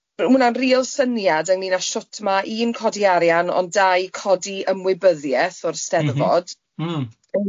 Ond ma hwnna'n rîl syniad ynglŷn â shwt ma un codi arian ond dau codi ymwybyddiaeth o'r Eisteddfod... M-hm.